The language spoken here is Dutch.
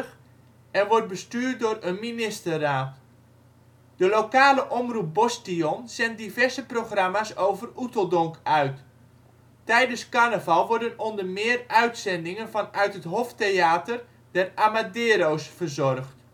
1968 ' en wordt bestuurd door een ' Ministerraad '. De lokale omroep Boschtion zendt diverse programma 's over Oeteldonk uit. Tijdens carnaval worden onder meer uitzendingen vanuit het Hoftheater der Amadeiro 's verzorgd